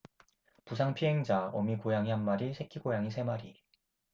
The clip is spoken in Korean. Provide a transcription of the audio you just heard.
부상 피해자 어미 고양이 한 마리 새끼 고양이 세 마리